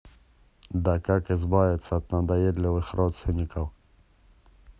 да как избавиться от надоедливых родственников